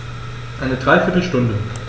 Eine dreiviertel Stunde